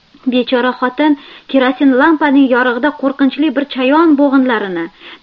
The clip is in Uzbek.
bechora xotin kerosin lampaning yorug'ida qo'rqinchli bir chayon bo'g'inlarini